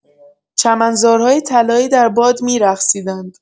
چمنزارهای طلایی در باد می‌رقصیدند.